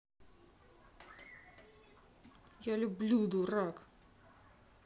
я люблю дурак